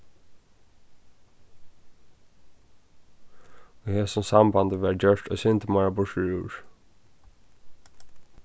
í hesum sambandi varð gjørt eitt sindur meir burturúr